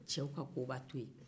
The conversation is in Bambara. cɛw ka koba tɛ o ye